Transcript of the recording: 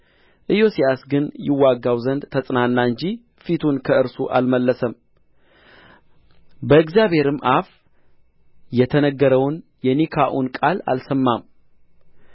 ኢዮስያስ ግን ይዋጋው ዘንድ ተጸናና እንጂ ፊቱን ከእርሱ አልመለሰም በእግዚአብሔርም አፍ የተነገረውን የኒካዑን ቃል አልሰማም